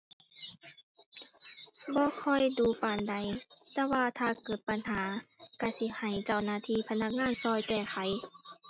บ่ค่อยดู๋ปานใด แต่ว่าถ้าเกิดปัญหาก็สิให้เจ้าหน้าที่พนักงานก็แก้ไข